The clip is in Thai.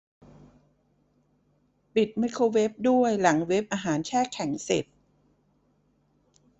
ปิดไมโครเวฟด้วยหลังเวฟอาหารแช่แข่งเสร็จ